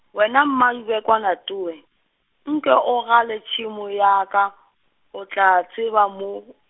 wena Mmadibekwana towe, nke o gale tšhemo ya ka, o tla tseba mo.